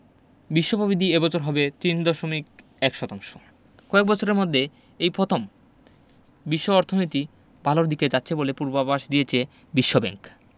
বিশ্ব পবিদ্ধি এ বছর হবে ৩.১ শতাংশ কয়েক বছরের মধ্যে এই পথম বিশ্ব অর্থনীতি ভালোর দিকে যাচ্ছে বলে পূর্বাভাস দিয়েছে বিশ্বব্যাংক